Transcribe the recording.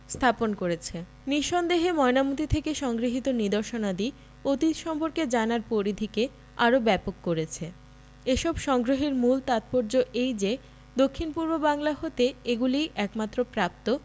স্থাপন করেছে নিঃসন্দেহে ময়নামতী থেকে সংগৃহীত নিদর্শনাদি অতীত সম্বন্ধে জানার পরিধিকে আরও ব্যাপক করেছে এসব সংগ্রহের মূল তাৎপর্য এই যে দক্ষিণ পূর্ব বাংলা হতে এগুলিই একমাত্র প্রাপ্ত